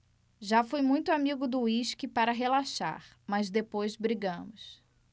já fui muito amigo do uísque para relaxar mas depois brigamos